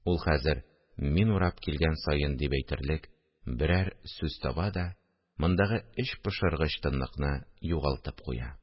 Ул хәзер, мин урап килгән саен дип әйтерлек, берәр сүз таба да мондагы эчпошыргыч тынлыкны югалтып куя